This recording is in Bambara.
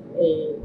Ee